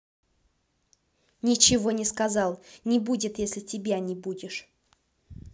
ничего не сказал не будет если тебя не будешь